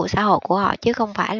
xã hội của họ chứ không phải